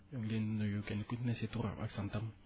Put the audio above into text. ñu ngileen di nuyu kenn ku ci ne si turam ak santam